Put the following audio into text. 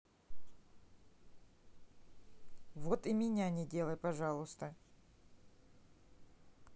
вот и меня не делай пожалуйста